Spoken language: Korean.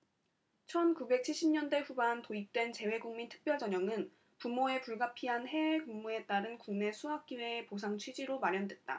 천 구백 칠십 년대 후반 도입된 재외국민 특별전형은 부모의 불가피한 해외 근무에 따른 국내 수학 기회의 보상 취지로 마련됐다